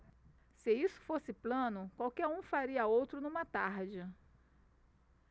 se isso fosse plano qualquer um faria outro numa tarde